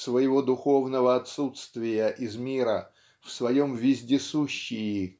своего духовного отсутствия из мира в своем вездесущии